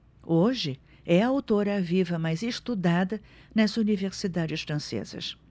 hoje é a autora viva mais estudada nas universidades francesas